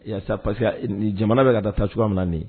Il ya ça. Parceque jamana bi ka taa taacogoya min na nin ye